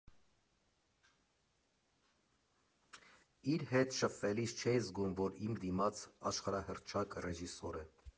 Իր հետ շփվելիս չէի զգում, որ իմ դիմաց աշխարհահռչակ ռեժիսոր է։